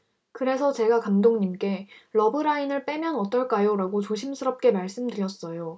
그래서 제가 감독님께 러브라인을 빼면 어떨까요라고 조심스럽게 말씀드렸어요